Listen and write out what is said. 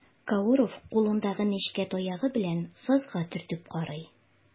Кауров кулындагы нечкә таягы белән сазга төртеп карый.